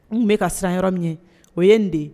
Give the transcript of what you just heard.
N bɛ ka siran yɔrɔ min ye o ye n den ye